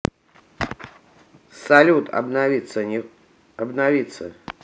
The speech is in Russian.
салют обновиться